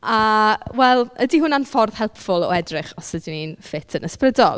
A wel ydy hwnna'n ffordd helpful o edrych os ydyn ni'n ffit yn ysbrydol?